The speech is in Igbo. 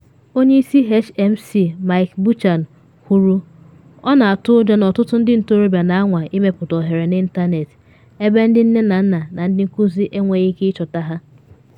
Onye isi HMC Mike Buchanan kwuru: “Ọ na atụ ụjọ na ọtụtụ ndị ntorobịa na anwa ịmepụta oghere n’ịntanetị ebe ndị nne na nna na ndị nkuzi enweghị ike ịchọta ha.”